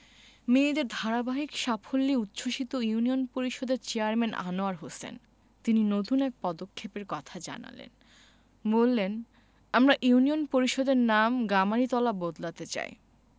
মেয়েদের ধারাবাহিক সাফল্যে উচ্ছ্বসিত ইউনিয়ন পরিষদের চেয়ারম্যান আনোয়ার হোসেন তিনি নতুন এক পদক্ষেপের কথা জানালেন বললেন আমরা ইউনিয়ন পরিষদের নাম গামারিতলা বদলাতে চাই